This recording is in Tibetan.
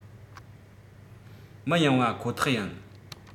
མི ཡོང བ ཁོ ཐག ཡིན